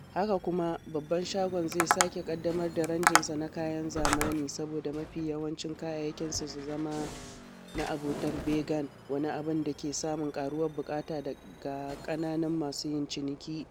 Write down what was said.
Haka kuma babban shagon zai sake ƙaddamar da ranjinsa na kayan zamani saboda mafi yawancin kayayyakin su zama na abotar vegan - wani abin da ke samun ƙaruwar buƙata ga kananan masu yin ciniki.